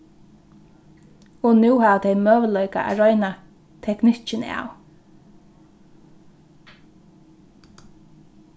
og nú hava tey møguleika at royna teknikkin av